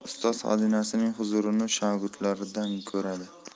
ustoz xazinasining huzurini shogirdlari ko'radi